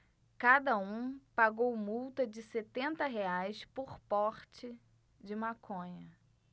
cada um pagou multa de setenta reais por porte de maconha